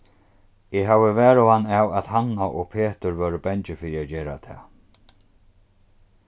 eg havi varhugan av at hanna og petur vóru bangin fyri at gera tað